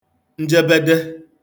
njebede